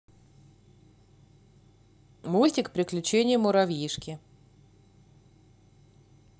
мультик приключения муравьишки